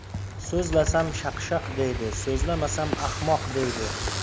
so'zlasam shaq shaq deydi so'zlamasam ahmoq deydi